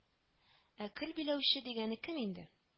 Ә колбиләүче дигәне кем инде